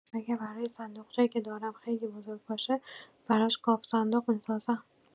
اگه برای صندوقچه‌ای که دارم خیلی بزرگ باشه، براش گاوصندوق می‌سازم.